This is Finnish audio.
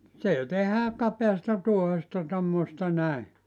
se tehdään kapeasta tuohesta tuommoista näin